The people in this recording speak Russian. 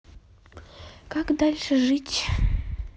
как дальше жить